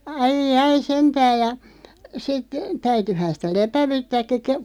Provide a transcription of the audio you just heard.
aijai sentään ja sitten täytyihän sitä lepäyttääkin -